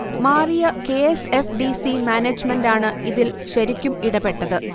മാറിയ K. S. F. D. C. മാനേജ്മെന്റാണു ഇതിൽ ശരിക്കും ഇടപെട്ടത്